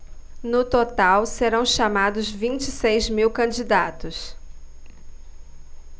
no total serão chamados vinte e seis mil candidatos